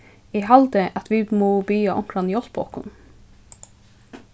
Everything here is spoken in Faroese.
eg haldi at vit mugu biðja onkran hjálpa okkum